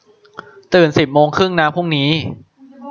ตื่นสิบโมงครึ่งนะพรุ่งนี้